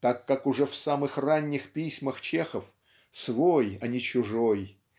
так как уже в самых ранних письмах Чехов свой а не чужой